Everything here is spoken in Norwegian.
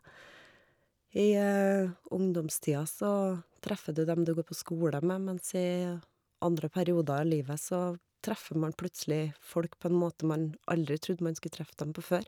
I ungdomstida så treffer du dem du går på skole med, mens i andre perioder av livet så treffer man plutselig folk på en måte man aldri trodde man skulle treffe dem på før.